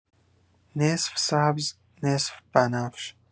نصف سبز نصف بنفش